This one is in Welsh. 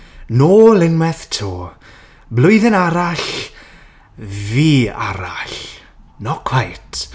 Nôl unwaith 'to. Blwyddyn arall. Fi arall. Not quite.